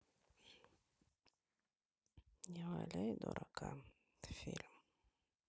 не валяй дурака фильм